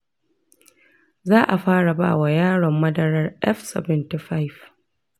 za a fara ba wa yaron madarar f-75.